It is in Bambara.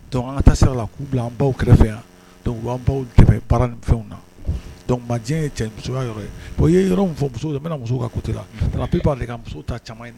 Don ka taa sira la k'u an baw kɛrɛfɛ yan baw fɛnw na ye cɛ musoya ye yɔrɔ min fɔ n bɛna muso ka kute'ale ka muso ta caman in